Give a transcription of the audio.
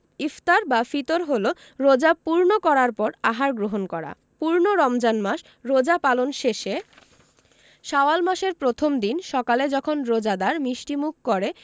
ইফতার বা ফিতর হলো রোজা পূর্ণ করার পর আহার গ্রহণ করা পূর্ণ রমজান মাস রোজা পালন শেষে শাওয়াল মাসের প্রথম দিন সকালে যখন রোজাদার মিষ্টিমুখ করে